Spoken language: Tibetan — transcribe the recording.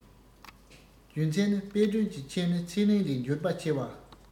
རྒྱུ མཚན ནི དཔལ སྒྲོན གྱི ཁྱིམ ནི ཚེ རིང ལས འབྱོར པ ཆེ བ